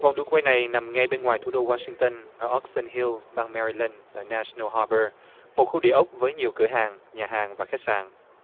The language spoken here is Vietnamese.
vòng đu quay này nằm ngay bên ngoài thủ đô goa sinh tơn ở oóc sừn hiu bang me ri lưn tại ne sừn nồ ha bơ một khu địa ốc với nhiều cửa hàng nhà hàng và khách sạn